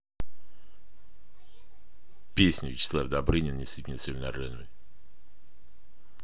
песня вячеслав добрынин не сыпь мне соль на рану